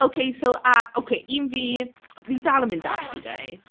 Ok so a ok un fi, fi dal yn mynd Davide.